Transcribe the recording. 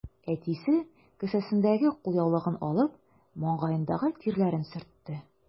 Әтисе, кесәсендәге кулъяулыгын алып, маңгаендагы тирләрен сөртте.